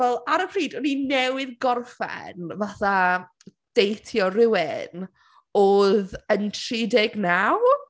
Fel ar y pryd o’n i newydd gorffen fatha deitio rhywun oedd yn tri deg naw.